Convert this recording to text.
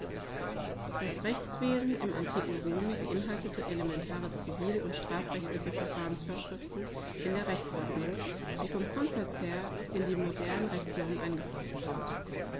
Das Rechtswesen im antiken Rom beinhaltete elementare zivil- und strafrechtliche Verfahrensvorschriften in der Rechtsordnung, die vom Grundsatz her in die modernen Rechtsnormen eingeflossen sind.